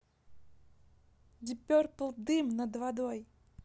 дип перпл дым над водой